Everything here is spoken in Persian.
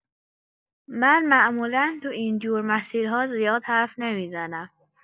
من معمولا تو این جور مسیرها زیاد حرف نمی‌زنم.